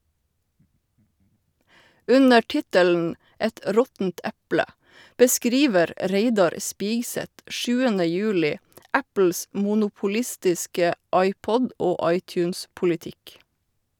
Under tittelen "Et råttent eple" beskriver Reidar Spigseth 7. juli Apples monopolistiske iPod- og iTunes-politikk.